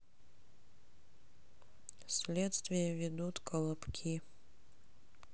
следствие ведут колобки